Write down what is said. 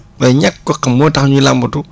waaye ñàkk koo xam moo tax ñuy làmbatu